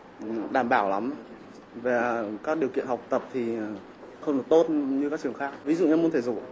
đảm bảo lắm về các điều kiện học tập thì à không được tốt như các trường khác ví dụ như môn thể dục